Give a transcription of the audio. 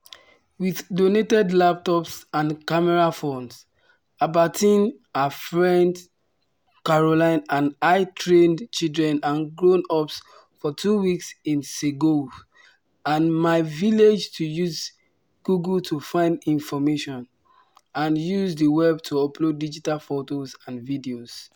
With donated laptops and camera phones, Albertine, her friend Caroline and I trained children and grown-ups for two weeks in Ségou and my village to use Google to find information, and use the Web to upload digital photos and videos.